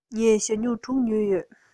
ངས ཞྭ སྨྱུག དྲུག ཉོས ཡོད